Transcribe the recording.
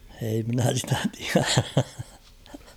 ei minä sitä tiedä